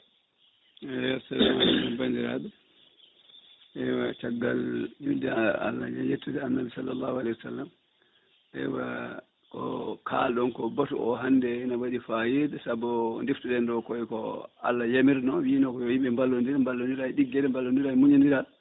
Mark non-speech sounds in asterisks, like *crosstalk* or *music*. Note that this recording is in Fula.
eyyi assalamu aleykum bandiraɓe *clears throat* mi wiima caggal inde Allah e yettude annabi salallahu aleyhu wa sallam eywa ko kalɗon ko baatu o hande ne waɗi fayida saabu detuɗen ɗo ko Allah yamirno wiino ko yo yimɓe ballodir ballodira e ɗigguere ballodira muñodiral